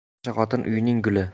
yaxshi xotin uyning guli